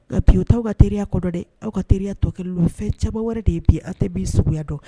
Nka ppiyeotaw ka teriya kɔrɔ dɔ dɛ aw ka teriya tɔ kɛlen fɛn cɛba wɛrɛ de ye bi aw tɛ bin sugu don